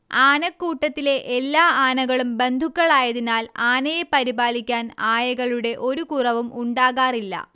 ആനക്കൂട്ടത്തിലെ എല്ലാ ആനകളും ബന്ധുക്കളായതിനാൽ ആനയെ പരിപാലിക്കാൻ ആയകളുടെ ഒരു കുറവും ഉണ്ടാകാറില്ല